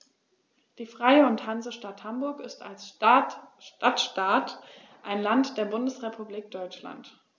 Die Freie und Hansestadt Hamburg ist als Stadtstaat ein Land der Bundesrepublik Deutschland.